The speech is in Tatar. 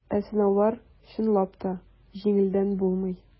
Ә сынаулар, чынлап та, җиңелдән булмый.